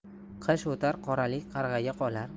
qish o'tar qoralik qarg'aga qolar